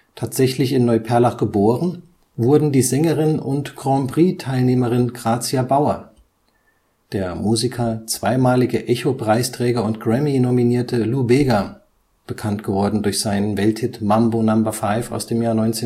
Tatsächlich in Neuperlach geboren wurden die Sängerin und Grand-Prix-Teilnehmerin Gracia Baur, der Musiker, zweimalige Echo-Preisträger und Grammy-Nominierte Lou Bega (bekanntgeworden durch seinen Welthit Mambo No. 5 aus dem Jahr 1999